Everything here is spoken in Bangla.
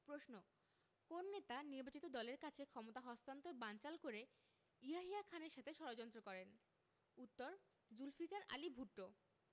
প্রশ্ন কোন নেতা নির্বাচিত দলের কাছে ক্ষমতা হস্তান্তর বানচাল করতে ইয়াহিয়া খানের সাথে ষড়যন্ত্র করেন উত্তরঃ জুলফিকার আলী ভুট্ট